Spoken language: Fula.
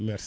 merci